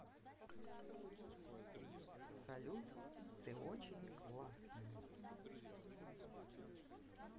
салют ты очень классная